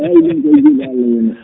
eeyi ɗum koye juuɗe Allah woni